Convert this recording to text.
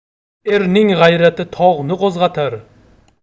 erning g'ayrati tog'ni qo'zg'atar